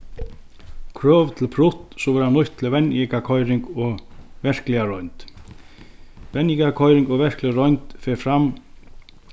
krøv til sum verða nýtt til venjingarkoyring og verkliga roynd venjingarkoyring og verklig roynd fer fram